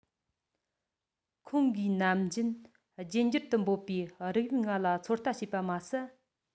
ཁོང གིས ནམ རྒྱུན རྒྱུད འགྱུར དུ འབོད པའི རིགས དབྱིབས ལྔ ལ ཚོད ལྟ བྱས པ མ ཟད